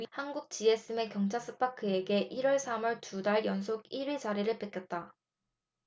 한국지엠의 경차 스파크에게 이 월 삼 월 두 달 연속 일 위 자리를 뺏겼다